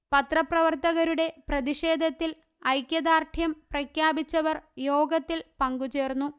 പത്ര പ്രവർത്തകരുടെ പ്രതിഷേധത്തിൽ ഐക്യദാർഡ്യം പ്രഖ്യാപിച്ചവർ യോഗത്തിൽ പങ്കുചേർന്നു